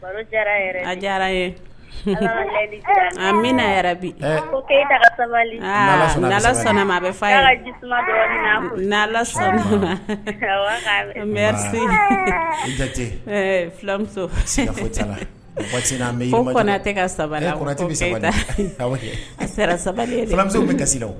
Bimuso sabali